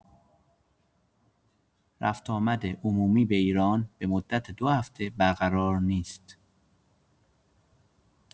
رفت و آمد عمومی به ایران به مدت دو هفته برقرار نیست.